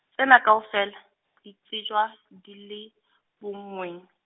tsena kaofela , di sutjwa, di le, bonngweng.